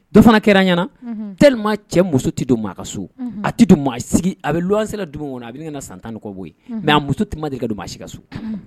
Dɔ fana kɛra ɲɛnaana te cɛ muso tɛ don mɔgɔ ka so a tɛ don maa sigi a bɛ sela dumuni kɔnɔ a bɛ bɛna san tan kɔ bɔ ye mɛ a muso te de ka don maa si ka so